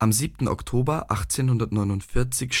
7. Oktober 1849